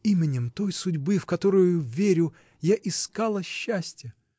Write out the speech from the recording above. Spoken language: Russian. — Именем той судьбы, в которую верю, я искала счастья!